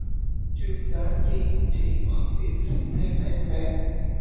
trương bá chi trì hoãn việc sinh thêm em bé